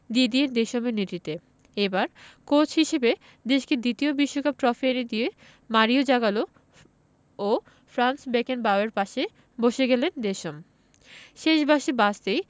Didier দেশমের নেতৃত্বে এবার কোচ হিসেবে দেশকে দ্বিতীয় বিশ্বকাপ ট্রফি এনে দিয়ে মারিও জাগালো ও ফ্রাঞ্জ বেকেনবাওয়ারের পাশে বসে গেলেন দেশম শেষ বাঁশি বাজতেই